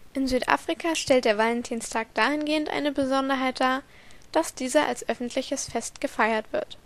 In Südafrika stellt der Valentinstag dahingehend eine Besonderheit dar, dass dieser als öffentliches Fest gefeiert wird